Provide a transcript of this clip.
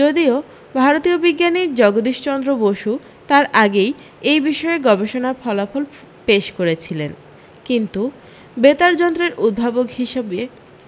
যদিও ভারতীয় বিজ্ঞানী জগদীশচন্দ্র বসু তার আগেই এই বিষয়ে গবেষণার ফলাফল পেশ করেছিলেন কিন্তু বেতার যন্ত্রের উদ্ভাবক হিসেবে